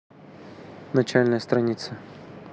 начальная страница